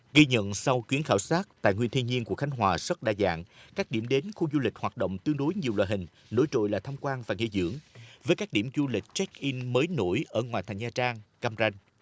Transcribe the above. ghi nhận sau chuyến khảo sát tài nguyên thiên nhiên của khánh hòa rất đa dạng các điểm đến khu du lịch hoạt động tương đối nhiều loại hình nổi trội là tham quan và nghỉ dưỡng với các điểm du lịch chếch in mới nổi ở ngoại thành nha trang cam ranh